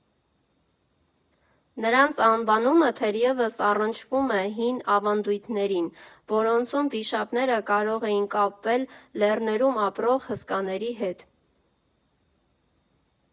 Նրանց անվանումը թերևս առնչվում է հին ավանդույթներին, որոնցում վիշապները կարող էին կապվել լեռներում ապրող հսկաների հետ։